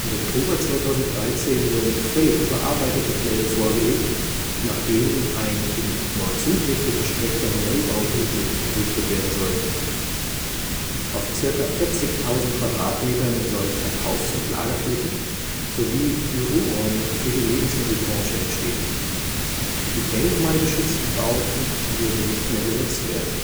Oktober 2013 wurden völlig überarbeitete Pläne vorgelegt, nach denen ein in Nord-Süd-Richtung gestreckter Neubauriegel errichtet werden soll. Auf ca. 40.000 Quadratmetern sollen Verkaufs - und Lagerflächen, sowie Büroräume für die Lebensmittelbranche entstehen. Die denkmalgeschützten Bauten würden nicht mehr genutzt werden